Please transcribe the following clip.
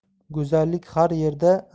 go'zallik har yerda